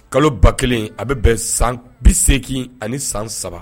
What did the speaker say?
Kalo 1000 a bi bɛn san 83 de ma.